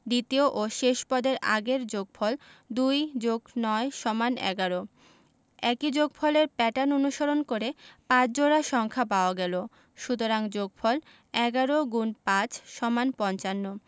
দ্বিতীয় ও শেষ পদের আগের পদের যোগফল ২+৯=১১ ইত্যাদি একই যোগফলের প্যাটার্ন অনুসরণ করে ৫ জোড়া সংখ্যা পাওয়া গেল সুতরাং যোগফল ১১ X ৫=৫৫